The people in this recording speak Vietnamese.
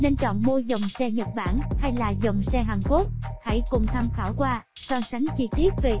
nên chọn mua dòng xe nhật bản hay là dòng xe hàn quốc hãy cùng tham khảo qua so sánh chi tiết